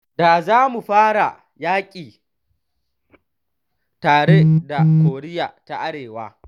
“Da za mu fara yaƙi tare da Koriya ta Arewa.